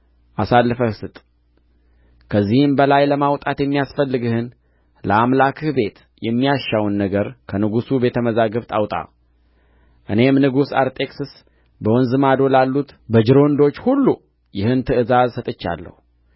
አሳልፈህ ስጥ ከዚህም በላይ ለማውጣት የሚያስፈልግህን ለአምላክህ ቤት የሚያሻውን ነገር ከንጉሡ ቤተ መዛግብት አውጣ እኔም ንጉሡ አርጤክስስ በወንዝ ማዶ ላሉት በጅሮንዶች ሁሉ ይህን ትእዛዝ ሰጥቻለሁ